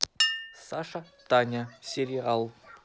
саша таня сериал